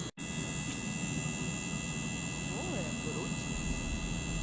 голая грудь